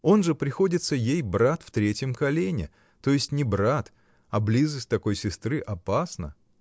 Он же приходится ей брат в третьем колене, то есть не брат, и близость такой сестры опасна.